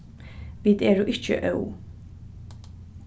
vit eru ikki óð